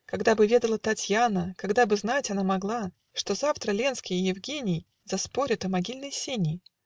Когда бы ведала Татьяна, Когда бы знать она могла, Что завтра Ленский и Евгений Заспорят о могильной сени